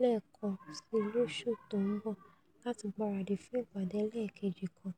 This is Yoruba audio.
lẹ́ẹ̀kan sii lóṣù tó ńbọ láti gbaradì fún ìpàdé ẹlẹ́ẹ̀kejì kan.